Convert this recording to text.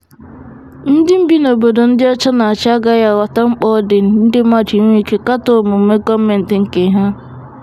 “Ndị bi na obodo ndị ọcha na-achị agaghị aghọta mkpa ọ dị ndị mmadụ inwe ike katọọ omume gọọmentị nke ha.